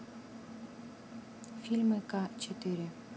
фильмы ка четыре